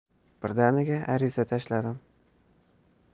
birdaniga ariza tashladim